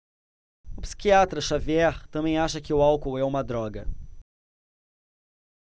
o psiquiatra dartiu xavier também acha que o álcool é uma droga